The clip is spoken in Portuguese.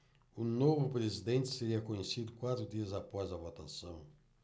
o novo presidente seria conhecido quatro dias após a votação